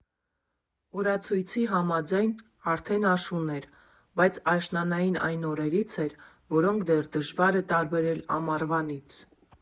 Օրացույցի համաձայն՝ արդեն աշուն էր, բայց աշնանային այն օրերից էր, որոնք դեռ դժվար է տարբերել ամառվանից։